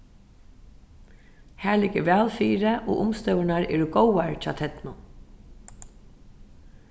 har liggur væl fyri og umstøðurnar eru góðar hjá ternum